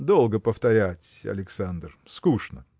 – Долго повторять, Александр: скучно.